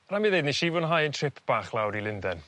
rai' mi ddeud nesh i fwynhau 'yn trip bach lawr i Lunden.